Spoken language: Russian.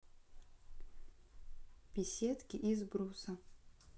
беседки из бруса